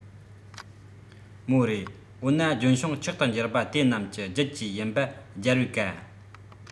མོ རེ འོ ན ལྗོན ཤིང མཆོག ཏུ འགྱུར པ དེ རྣམས ཀྱི རྒྱུད བཅས ཡིན པ རྒྱལ བའི བཀའ